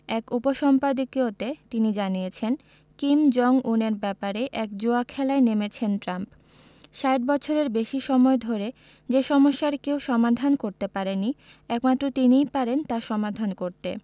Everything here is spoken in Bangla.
এক উপসম্পাদকীয়তে তিনি জানিয়েছেন কিম জং উনের ব্যাপারে এক জুয়া খেলায় নেমেছেন ট্রাম্প ৬০ বছরের বেশি সময় ধরে যে সমস্যার কেউ সমাধান করতে পারেনি একমাত্র তিনিই পারেন তার সমাধান করতে